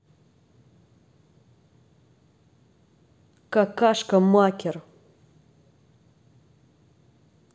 какашка maker